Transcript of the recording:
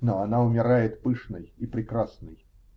Но она умирает пышной и прекрасной.